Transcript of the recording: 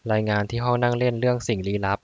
รายงานที่ห้องนั่งเล่นเรื่องสิ่งลี้ลับ